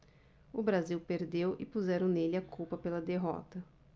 o brasil perdeu e puseram nele a culpa pela derrota